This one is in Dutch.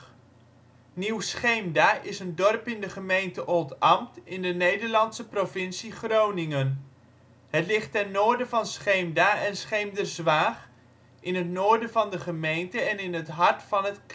Scheemterhammerk) is een dorp in de gemeente Oldambt in de Nederlandse provincie Groningen. Het ligt ten noorden van Scheemda en Scheemderzwaag, in het noorden van de gemeente en in het hart van het